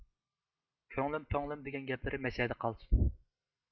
كۆڭلۈم پۈڭلۈم دېگەن گەپلىرى مەشەدە قالسۇن